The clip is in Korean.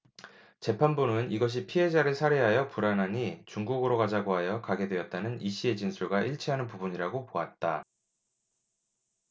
재판부는 이것이 피해자를 살해하여 불안하니 중국으로 가자고 하여 가게 되었다는 이씨의 진술과 일치하는 부분이라고 보았다